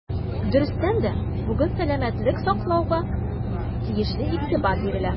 Дөрестән дә, бүген сәламәтлек саклауга тиешле игътибар бирелә.